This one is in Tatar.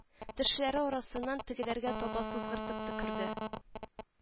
Тешләре арасыннан тегеләргә таба сызгыртып төкерде